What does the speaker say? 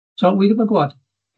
So, wi ddim yn gwyod.